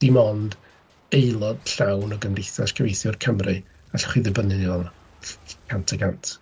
Dim ond aelod llawn o Gymdeithas Cyfieithwyr Cymru allwch chi ddibynnu arno fo cant y cant.